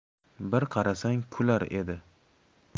bir qarasang kulra edi